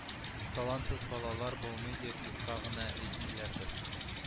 Талантсыз балалар булмый дип юкка гына әйтмиләрдер